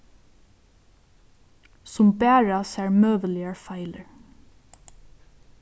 sum bara sær møguligar feilir